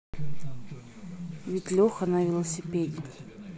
ведь леха на велосипеде